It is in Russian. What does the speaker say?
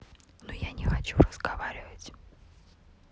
ну я не хочу разговаривать